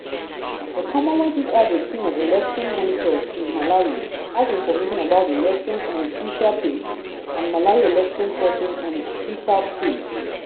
The Commonwealth, which has a team of election monitors in Malawi, has information about the elections on its twitter page and Malawi election photos on its Flickr page.